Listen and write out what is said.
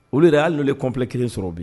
Olu yɛrɛ hali n'olu ye complet 1 sɔrɔ bi